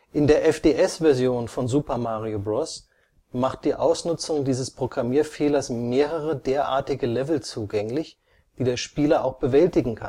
In der FDS-Version von Super Mario Bros. macht die Ausnutzung dieses Programmierfehlers mehrere derartige Level zugänglich, die der Spieler auch bewältigen